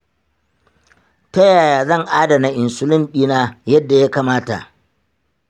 ta yaya zan adana insulin ɗina yadda ya kamata?